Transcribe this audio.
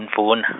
mdvuna.